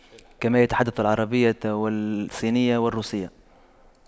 كما يتحدث العربية والصينية والروسية